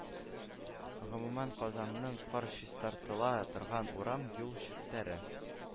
Гомумән, Казанның кар чистартыла торган урам-юл челтәре